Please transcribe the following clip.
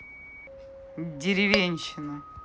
деревенщина